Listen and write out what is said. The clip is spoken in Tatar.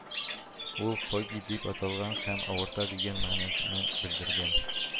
Ул хогий дип аталган һәм авырта дигән мәгънәне белдергән